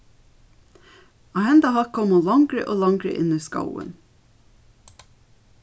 á hendan hátt kom hon longri og longri inn í skógin